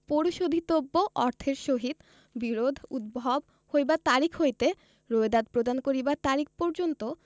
পরিশোধিতব্য অর্থের সহিত বিরোধ উদ্ভব হইবার তারিখ হইতে রোয়েদাদ প্রদান করিবার তারিখ পর্যন্ত